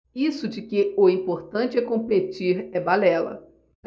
isso de que o importante é competir é balela